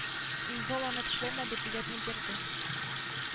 Инзол аны тешләмәде билетны бирде